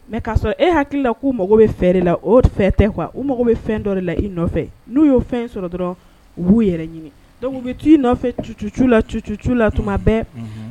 Mɛ k'a sɔrɔ e hakilila k'u mago bɛ fɛ la o fɛ tɛ kuwa u mago bɛ fɛn dɔ la i nɔfɛ n'u ye fɛn sɔrɔ dɔrɔn u b'u yɛrɛ ɲini u bɛ i nɔfɛ la tuma bɛɛ